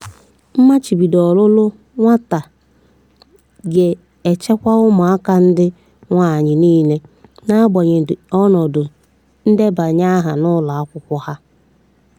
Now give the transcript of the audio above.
Mmachibido ọlụlụ nwata ga-echekwa ụmụaka ndị nwaanyị niile, na-agbanyeghị ọnọdụ ndebanye aha n'ụlọ akwụkwọ ha.